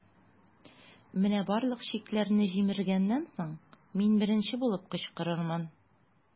Менә барлык чикләрне җимергәннән соң, мин беренче булып кычкырырмын.